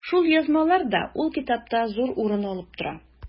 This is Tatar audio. Шул язмалар да ул китапта зур урын алып тора.